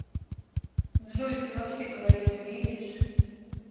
джой ты вообще говорить умеешь